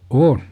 on